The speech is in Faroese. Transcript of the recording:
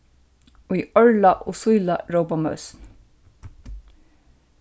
ið árla og síðla rópa møsn